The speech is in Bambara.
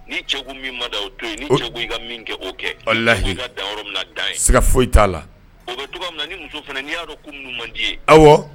Ni cɛw min ma da o don i ka min kɛ o kɛ ala ka da yɔrɔ min da ye seiga foyi t'a la o bɛ muso fana'a dɔn ɲumandi ye aw